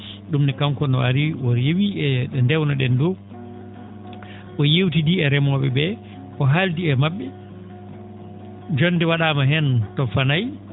?umne kanko noon o arii o rewii e ?o dewno?en ?oo o yeewtidii e remoo?e ?e o haaldii e mab?e jonnde wa?aama heen to Fanay